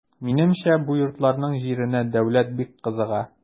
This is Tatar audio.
Минемчә бу йортларның җиренә дәүләт бик кызыга.